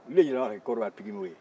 olu de yɛlɛmana ka ke kodiwari pikimew ye